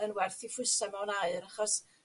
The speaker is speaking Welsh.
yn werth 'i phwysa' mewn aur achos